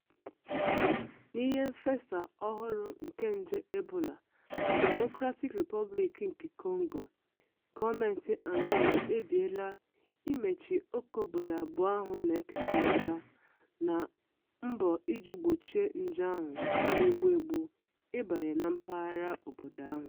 N'ihi mfesa ọhụrụ nke nje ebola na Democratic Republic of Congo, gọọmentị Angola ekpebiela imechi ókè obodo abụọ ahụ na-ekekọrịta, na mbọ iji gbochie nje ahụ na-egbu egbu ịbanye na mpaghara obodo ahụ.